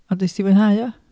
Ond wnest ti fwynhau o?